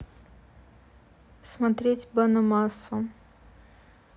смотреть банно масса